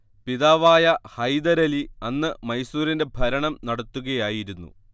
പിതാവായ ഹൈദരലി അന്ന് മൈസൂരിന്റെ ഭരണം നടത്തുകയായിരുന്നു